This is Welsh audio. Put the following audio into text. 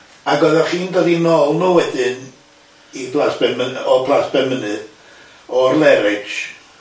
Ag o'dda chi'n dod i nôl n'w wedyn i Plas Penmyny- o Blas Penmynydd o'r lairage